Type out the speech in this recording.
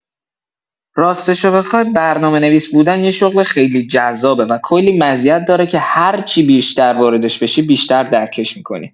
راستشو بخوای، برنامه‌نویس بودن یه شغل خیلی جذابه و کلی مزیت داره که هر چی بیشتر واردش بشی، بیشتر درکش می‌کنی.